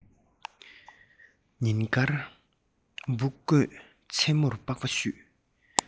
ཉིན དཀར འབུ བརྐོས མཚན མོར པགས པ བཤུས